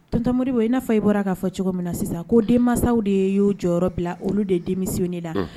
Tɔnontomoriw n'a fɔ i bɔra k'a fɔ cogo min na sisan ko den masasaw de y'o jɔyɔrɔ bila olu de denmisɛnninni la